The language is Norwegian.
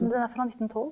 det er fra nittentolv.